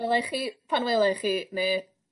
Welai chi pan welai chi ne'